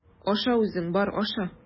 Аша үзең, бар, аша!